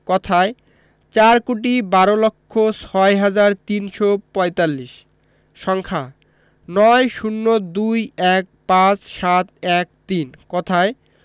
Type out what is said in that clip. কথায়ঃ চার কোটি বার লক্ষ ছয় হাজার তিনশো পঁয়তাল্লিশ সংখ্যাঃ ৯ ০২ ১৫ ৭১৩ কথায়ঃ